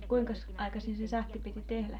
kuinkas aikaisin se sahti piti tehdä